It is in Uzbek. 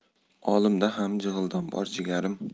olimda ham jig'ildon bor jigarim